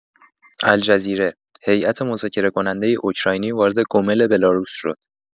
الجزیره: هیئت مذاکره‌کننده اوکراینی وارد گومل بلاروس شد.